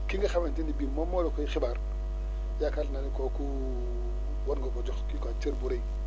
ki nga xamante ne bii moom moo la koy xibaar yaakaar naa ni kooku war nga ko jox kii quoi cër bu rëy